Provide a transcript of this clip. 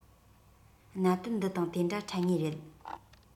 གནད དོན འདི དང དེ འདྲ འཕྲད ངེས རེད